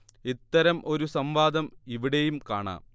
ഇത്തരം ഒരു സംവാദം ഇവിടെയും കാണാം